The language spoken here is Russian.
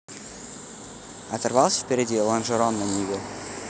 оторвался впереди лонжерон на неве